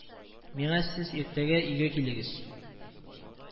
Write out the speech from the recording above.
Миңа сез иртәгә Өйгә килегез